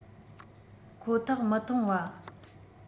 ཁོ ཐག མི འཐུང བ